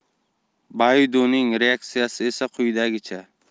baidu'ning reaksiyasi esa quyidagicha